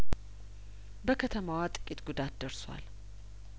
በከተማዋ ጥቂት ጉዳት ደርሷል